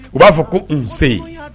U b'a fɔ ko u selenyi